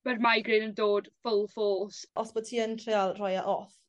ma'r migraine yn dod full force. Os bo' ti yn treial rhoi e off